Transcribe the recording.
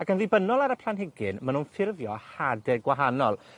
Ac yn ddibynnol ar y planhigyn, ma' nw'n ffurfio hade gwahanol.